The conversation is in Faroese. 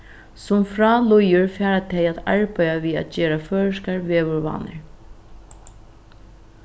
sum frá líður fara tey at arbeiða við at gera føroyskar veðurvánir